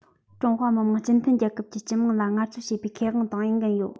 ཀྲུང ཧྭ མི དམངས སྤྱི མཐུན རྒྱལ ཁབ ཀྱི སྤྱི དམངས ལ ངལ རྩོལ བྱེད པའི ཁེ དབང དང འོས འགན ཡོད